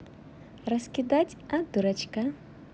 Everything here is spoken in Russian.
раскидать от дурачка